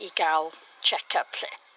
i ga'l check up 'lly.